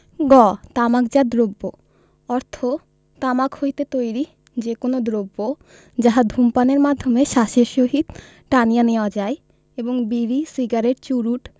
গ তামাকজাত দ্রব্য অর্থ তামাক হইতে তৈরী যে কোন দ্রব্য যাহা ধূমপানের মাধ্যমে শ্বাসের সহিত টানিয়া নেওয়া যায় এবং বিড়ি সিগারেট চুরুট